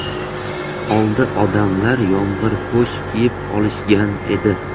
oldi odamlar yomg'irpo'sh kiyib olishgan edi